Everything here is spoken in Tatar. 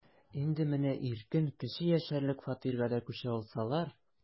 Инде менә иркен, кеше яшәрлек фатирга да күчә алсалар...